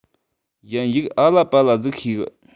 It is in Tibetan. དབྱིན ཡིག ཨ ལ པ ལ ཟིག ཤེས གི